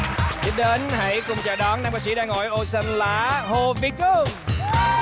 tiếp đến hãy cùng chào đón nam ca sĩ đang ngồi ở ô xanh lá hồ việt hưng